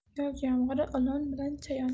yoz yomg'iri ilon bilan chayon